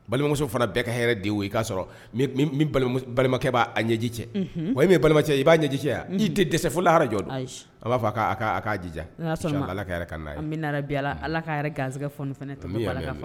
Balimamuso fana bɛɛ ka hɛrɛ de wo i kaa sɔrɔ balimakɛ b'a a ɲɛji cɛ wa bɛ balimacɛ cɛ i b'a ɲɛji cɛ yan n'i tɛ dɛsɛse fɔlɔlahara jɔ a b'a fɔajija ala ka ka n' min ala ka gansɛgɛ